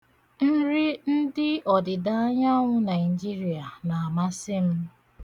Nri ndị ọdịdaanyanwụ Naịjirịa na-amasị m.